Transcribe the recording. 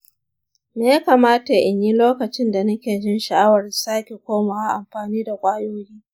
me ya kamata in yi lokacin da nake jin sha'awar sake komawa amfani da ƙwayoyi?